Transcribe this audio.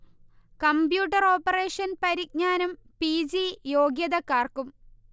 Computer operation പരിജ്ഞാനം P. G യോഗ്യതക്കാർക്കും